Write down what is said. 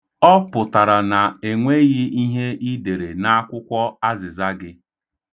Ọ pụtara na enweghị ihe i dere n'akwụkwọ azịza gị.